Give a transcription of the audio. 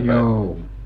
joo